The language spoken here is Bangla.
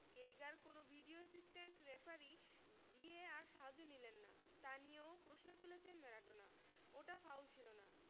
গেইগার কোনো ভিডিও অ্যাসিস্ট্যান্ট রেফারির ভিএআর সাহায্য নিলেন না তা নিয়েও প্রশ্ন তুলেছেন ম্যারাডোনা ওটা ফাউল ছিল না